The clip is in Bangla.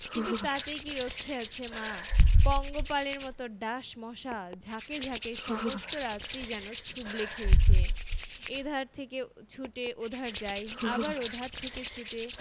কিন্তু তাতেই কি রক্ষে আছে মা পঙ্গপালের মত ডাঁশ মশা ঝাঁকে ঝাঁকে সমস্ত রাত্রি যেন ছুবলে খেয়েছে এধার থেকে ছুটে ওধার যাই আবার ওধার থেকে ছুটে